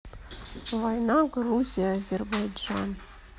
война грузия азербайджан